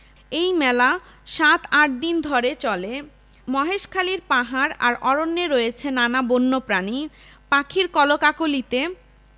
এই মেলা সাত আট দিন ধরে চলে মহেশখালীর পাহাড় আর অরণ্যে রয়েছে নানা বন্য প্রাণী পাখির কলকাকলিতে